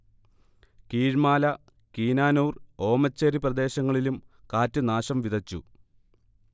കീഴ്മാല, കിനാനൂർ, ഓമച്ചേരി പ്രദേശങ്ങളിലും കാറ്റ് നാശംവിതച്ചു